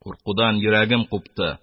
Куркудан йөрәгем купты,